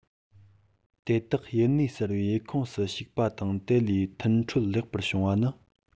དེ དག ཡུལ གནས གསར པའི ཡུལ ཁོངས སུ ཞུགས པ དང དེ ལ མཐུན འཕྲོད ལེགས པོ བྱུང བ ནི